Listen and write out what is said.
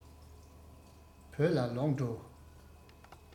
བོད ལ ལོག འགྲོ